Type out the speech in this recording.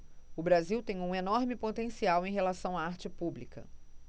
o brasil tem um enorme potencial em relação à arte pública